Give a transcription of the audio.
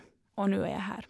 Og nå er jeg her.